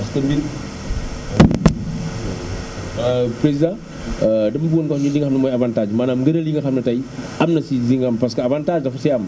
parce que mbir président dama bëggoon nga wax ñu li nga xam ne ooy avantage bi maanaam ngëneel yi nga xam ne tey am na si jiwam parce que avantage daf si am